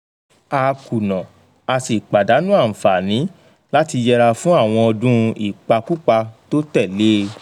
A kùnà, a sì pàdánù àǹfààní láti yẹra fún àwọn ọdún ìpakúpa tó tẹ̀ lé e.